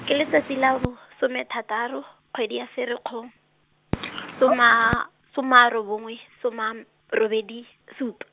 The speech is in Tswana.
ke letsatsi la bosome thataro, kgwedi ya Ferikgong , soma a, soma a robongwe, soma a m- robedi sotho-.